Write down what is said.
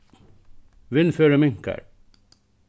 vindferðin minkar